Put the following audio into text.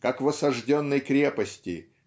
Как в осажденной крепости